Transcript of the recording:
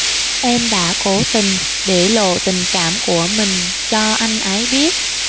em đã cố tình để lộ tình cảm của mình cho anh ấy biết